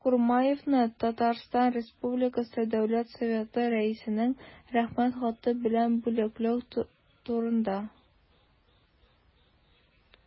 И.Х. Курмаевны Татарстан республикасы дәүләт советы рәисенең рәхмәт хаты белән бүләкләү турында